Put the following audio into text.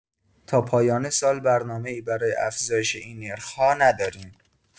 تا پایان سال برنامه‌ای برای افزایش این نرخ‌ها نداریم.